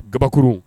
Kabakuru